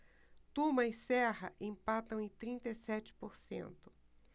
tuma e serra empatam em trinta e sete por cento